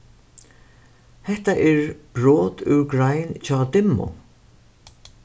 hetta er brot úr grein hjá dimmu